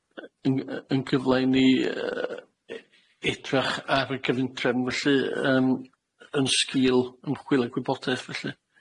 y yn yn gyfla i ni yy edrach ar y cyfundrefn felly yym yn sgil ymchwil a gwybodaeth felly.